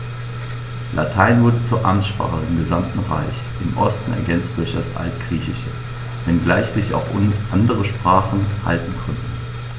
Latein wurde zur Amtssprache im gesamten Reich (im Osten ergänzt durch das Altgriechische), wenngleich sich auch andere Sprachen halten konnten.